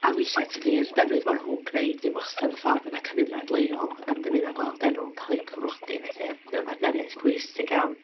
A weithia tydy'r defnydd ma' nhw'n gneud ddim wastad y ffordd fydd y cymuned leol yn dymuno gweld enw yn cael ei cofnodi, felly mae o'n bartneriaeth pwysig iawn.